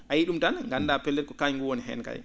a yiyii ?um tan nganndaa pellet ko kañum woni heen kay